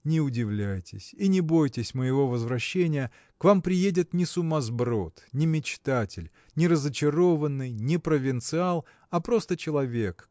Не удивляйтесь и не бойтесь моего возвращения к вам приедет не сумасброд не мечтатель не разочарованный не провинциал а просто человек